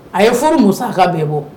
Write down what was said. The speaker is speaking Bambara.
A ye furu musaka bɛɛ bɔ